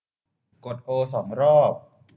กดโอสองรอบ